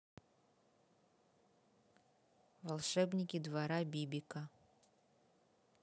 волшебники двора бибика